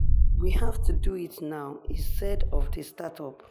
"We have to do it now," he said of the startup.